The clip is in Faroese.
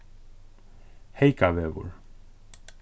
heykavegur